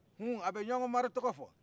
hun a bɛ ɲɔngɔn mari tɔgɔ fɔ